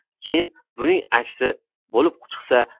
keyin buning aksi bo'lib chiqsa